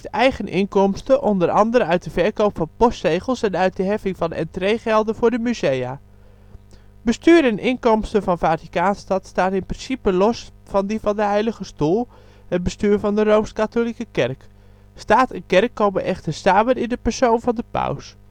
eigen inkomsten, onder andere uit de verkoop van postzegels en uit de heffing van entreegelden voor de musea. Bestuur en inkomsten van Vaticaanstad staan in principe los van die van de Heilige Stoel, het bestuur van de Rooms-katholieke Kerk. Staat en Kerk komen echter samen in de persoon van de paus